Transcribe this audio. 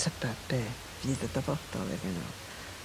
tybed be' fydd y dyfodol iddyn n'w.